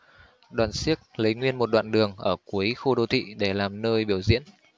đoàn xiếc lấy nguyên một đoạn đường ở cuối khu đô thị để làm nơi biểu diễn